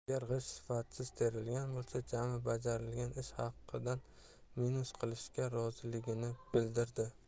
agar g'isht sifatsiz terilgan bo'lsa jami bajarilgan ish haqidan minus qilishga roziligini bildirdi